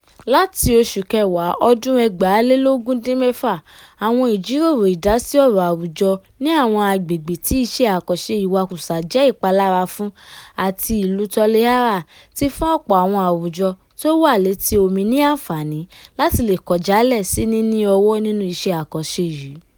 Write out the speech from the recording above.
Láti October 2014, àwọn ìjíròrò ìdásí ọ̀rọ̀ àwùjọ ní àwọn agbègbè tí iṣẹ́ àkànṣe ìwakùsà ṣe ìpalára fún àti ìlu Toliara ti fún ọ̀pọ̀ àwọn àwùjọ tó wà léti omi ni ànfààní láti le kọ̀ jálẹ̀ sí níní ọwọ́ nínú iṣẹ́ àkànṣe yìí.